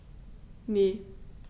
Ne.